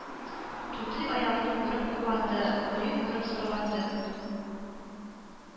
Тутый аягын күреп хурланды, буен күреп сырланды